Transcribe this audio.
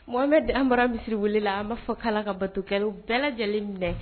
Mɔgɔmɛ de an bara misiriw la an b'a fɔ k' ka batokɛlaw bɛɛ lajɛlen minɛ